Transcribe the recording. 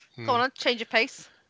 M-hm... ma' hwnna'n Change of pace!